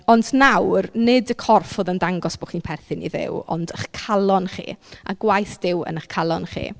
Ond nawr nid y corff oedd yn dangos bo' chi'n perthyn i Dduw ond eich calon chi a gwaith Duw yn eich calon chi.